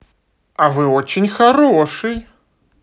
а вы очень хороший